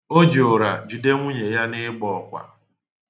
O ji ụra jide nwunye ya n'ịgba ọkwa.